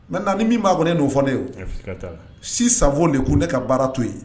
Maintenant ni min b'a kɔnɔ e n'o fɔ ne o sigatala si ça vaut le coup ne ka baara to ye